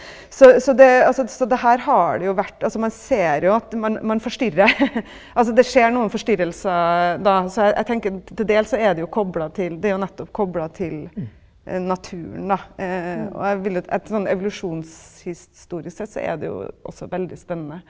så så det altså så det her har jo det vært, altså man ser jo at man man forstyrrer altså det skjer noen forstyrrelser da så jeg jeg tenker til dels så er det jo kobla til det er jo nettopp kobla til naturen da og jeg vil sånn evolusjonshistorisk sett så er det jo også veldig spennende.